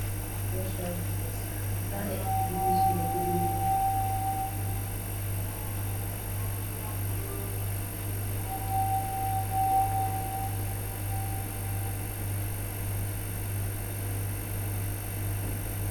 Meshaan waxa yaalo saxan cadan eh gudihisane gaduud yahay